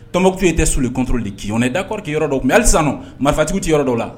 Tɔnmɔ tune tɛ solenkli k'iɛ dakɔrɔki yɔrɔ don aliz marifatigiw tɛ yɔrɔ dɔw la